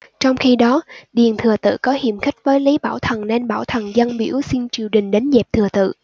trong khi đó điền thừa tự có hiềm khích với lý bảo thần nên bảo thần dâng biểu xin triều đình đánh dẹp thừa tự